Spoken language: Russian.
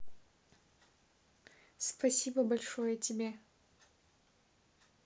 спасибо большое тебе